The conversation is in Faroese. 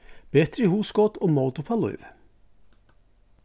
betri hugskot og mót upp á lívið